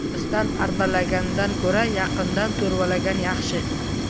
olisdan arbalagandan ko'ra yaqindan to'rvalagan yaxshi